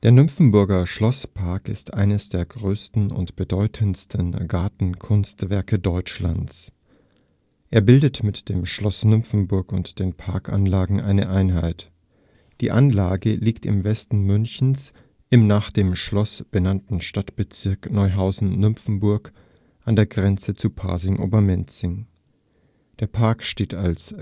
Nymphenburger Schlosspark ist eines der größten und bedeutendsten Gartenkunstwerke Deutschlands. Er bildet mit dem Schloss Nymphenburg und den Parkburgen eine Einheit. Die Anlage liegt im Westen Münchens im nach dem Schloss benannten Stadtbezirk Neuhausen-Nymphenburg an der Grenze zu Pasing-Obermenzing. Der Park steht als